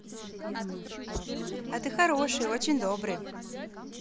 а ты хороший очень добрый